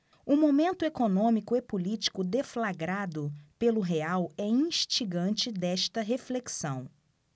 o momento econômico e político deflagrado pelo real é instigante desta reflexão